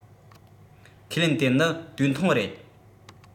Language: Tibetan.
ཁས ལེན དེ ནི དུས ཐུང རེད